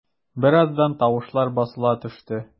Бераздан тавышлар басыла төште.